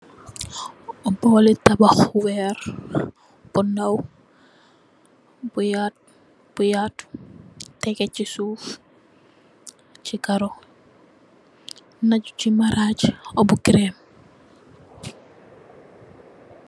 Bowl li tabax bu weer bu ndaw bu yatu tegu ci suuf ci karro, najju ci maraj bu creem.